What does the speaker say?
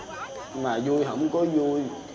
mà dui hổng có vui